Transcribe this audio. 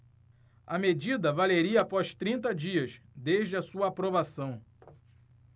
a medida valeria após trinta dias desde a sua aprovação